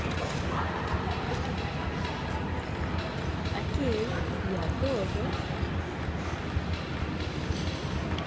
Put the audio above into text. окей я тоже